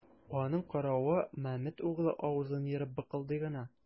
Аның каравы, Мамед углы авызын ерып быкылдый гына.